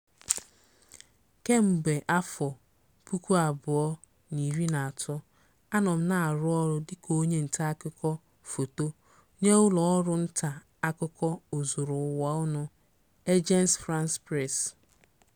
Kemgbe 2013, anọ m na-arụ ọrụ dịka onye nta akụkọ foto nye ụlọ ọrụ nta akụkọ ozuru ụwa ọnụ, Agence France Presse (AFP).